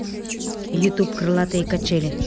ютуб крылатые качели